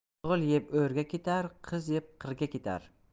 o'g'il yeb o'rga ketar qiz yeb qirga ketar